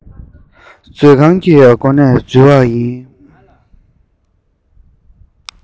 མཛོད ཁང གི སྒོ ནས འཛུལ བ ཡིན